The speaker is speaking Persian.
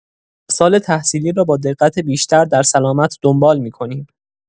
سال تحصیلی را با دقت بیشتر در سلامت دنبال می‌کنیم.